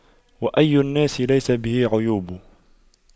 وأي الناس ليس به عيوب